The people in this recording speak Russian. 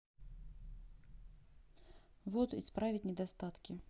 вот исправить недостатки